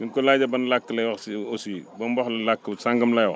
bi nga ko laajee ban làkk lay wax si aussi ba mu wax la làkk sangam laay wax